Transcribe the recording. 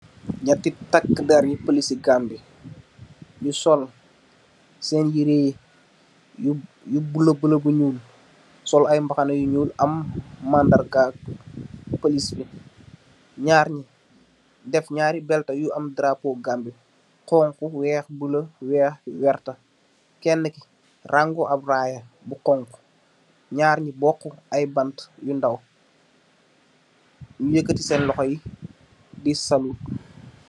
Nyatti takeder yu palis si Gambi nyu sol sen yire yu bula bula bu nyuul, sol ay mbaxana yu nyuul am mandarga palis bi, nyaar nyi def nyaari belta yu am drappo Gambi, xonxu, weex, bula, weex, werta, kenne ki rangob ab raaya bu xonxu, nyaar yi boxu ay bante yu ndaw, yakati sen loxo yi di salut.